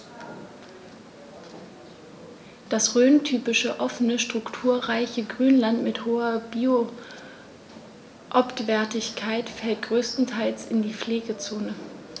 Das rhöntypische offene, strukturreiche Grünland mit hoher Biotopwertigkeit fällt größtenteils in die Pflegezone.